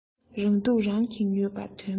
རང སྡུག རང གིས ཉོས པ དོན མེད རེད